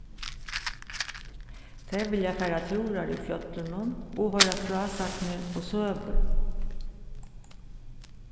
tey vilja fara túrar í fjøllunum og hoyra frásagnir og søgur